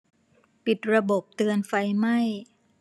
ปิดระบบเตือนไฟไหม้